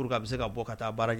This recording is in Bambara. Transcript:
Pourque a bɛ se ka bɔ ka taa baara ɲ